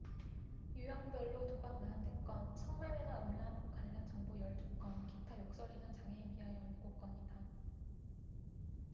유형별로 도박 마흔 네 건 성매매나 음란 관련 정보 열 두 건 기타 욕설이나 장애인 비하 열 일곱 건이다